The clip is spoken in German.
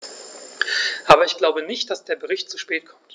Aber ich glaube nicht, dass der Bericht zu spät kommt.